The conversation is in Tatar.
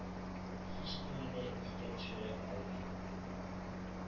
Һич кенә дә искә төшерә алмыйм.